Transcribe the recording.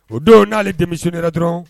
O don n'ale denmisɛne dɔrɔn